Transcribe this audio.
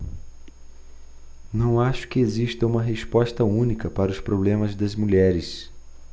não acho que exista uma resposta única para os problemas das mulheres